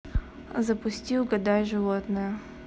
запусти угадай животное